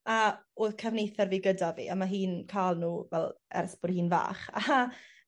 A o'dd cefnither fi gyda fi a ma' hi'n ca'l n'w fel ers bod hi'n fach a